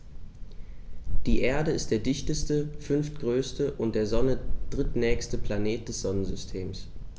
Die Erde ist der dichteste, fünftgrößte und der Sonne drittnächste Planet des Sonnensystems.